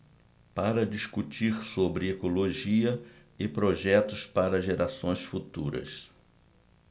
para discutir sobre ecologia e projetos para gerações futuras